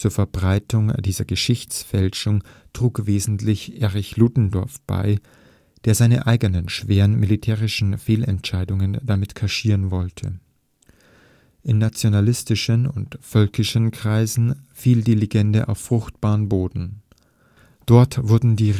Verbreitung dieser Geschichtsfälschung trug wesentlich Erich Ludendorff bei, der seine eigenen schweren militärischen Fehlentscheidungen damit kaschieren wollte. In nationalistischen und völkischen Kreisen fiel die Legende auf fruchtbaren Boden. Dort wurden die